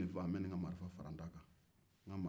ni n ye nin faa n bɛ nin ka marifa fara n ta kan